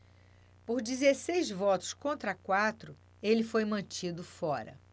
por dezesseis votos contra quatro ele foi mantido fora